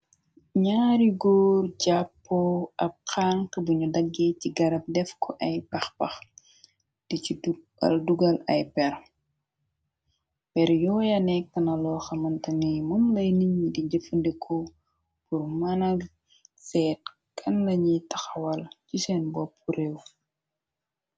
Nyaari góor jappo ab xanx buñu daggee ci garab def ko ay pax pax di ci dugal ay pier per yooya nekk na loo xamantani y mën lay niñ ñi di jëfandeko bur mënal feet kan lañiy taxawal ci seen bopp réew.